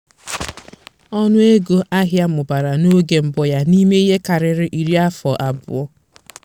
Ọnụego ahịa mụbara n'oge mbụ ya n'ime ihe karịrị iri afọ abụọ.